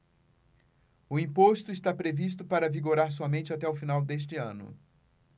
o imposto está previsto para vigorar somente até o final deste ano